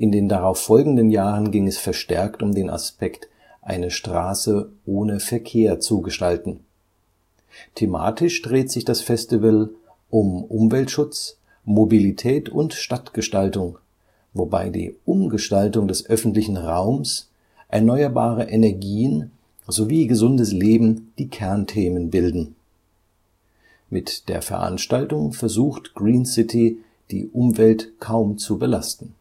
den darauffolgenden Jahren ging es verstärkt um den Aspekt, eine Straße ohne Verkehr zu gestalten. Thematisch dreht sich das Festival um Umweltschutz, Mobilität und Stadtgestaltung, wobei die Umgestaltung des öffentlichen Raums, erneuerbare Energien sowie gesundes Leben die Kernthemen bilden. Mit der Veranstaltung versucht Green City die Umwelt kaum zu belasten